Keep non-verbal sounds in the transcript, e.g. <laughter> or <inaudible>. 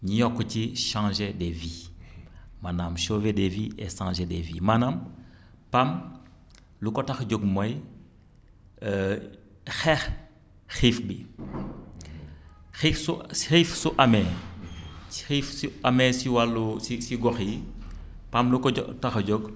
ñu yokk ci changer des vies maanaam sauver des vies et changer des vies maanaam PAM lu ko tax a jóg mooy <hesitation> xeex xiif bi <noise> xiif su xiif su amee <noise> xiif su amee si wàllu si si gox yi <noise> PAM lu ko ca tax a jóg